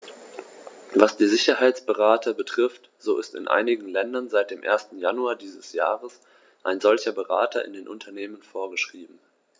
Was die Sicherheitsberater betrifft, so ist in einigen Ländern seit dem 1. Januar dieses Jahres ein solcher Berater in den Unternehmen vorgeschrieben.